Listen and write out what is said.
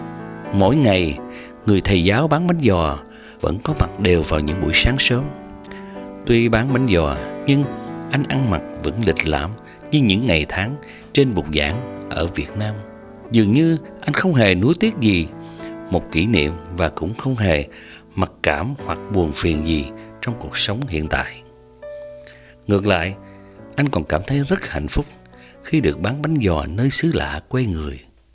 mỗi ngày người thầy giáo bán bánh giò vẫn có mặt đều vào những buổi sáng sớm tuy bán bánh giò nhưng anh ăn mặc vẫn lịch lãm như những ngày tháng trên bục giảng ở việt nam dường như anh không hề nuối tiếc gì một kỷ niệm và cũng không hề mặc cảm hoặc buồn phiền gì trong cuộc sống hiện tại ngược lại anh còn cảm thấy rất hạnh phúc khi được bán bánh giò nơi xứ lạ quê người